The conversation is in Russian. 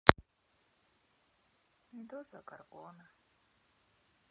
медуза горгона